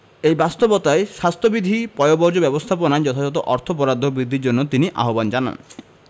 এই বাস্তবতায় স্বাস্থ্যবিধি পয়ঃবর্জ্য ব্যবস্থাপনায় যথাযথ অর্থ বরাদ্দ বৃদ্ধির জন্য তিনি আহ্বান জানান